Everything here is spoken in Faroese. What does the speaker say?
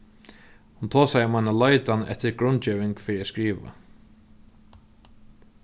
hon tosaði um eina leitan eftir grundgeving fyri at skriva